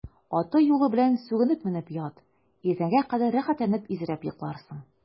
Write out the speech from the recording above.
Аты-юлы белән сүгенеп менеп ят, иртәнгә кадәр рәхәтләнеп изрәп йокларсың.